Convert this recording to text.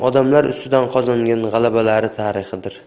odamlar ustidan qozongan g'alabalari tarixidir